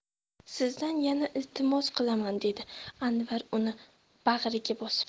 sizdan yana iltimos qilaman dedi anvar uni bag'riga bosib